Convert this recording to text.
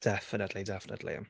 Definitely, definitely.